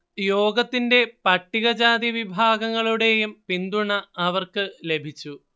യോഗത്തിന്റെ പട്ടികജാതി വിഭാഗങ്ങളുടെയും പിന്തുണ അവർക്ക് ലഭിച്ചു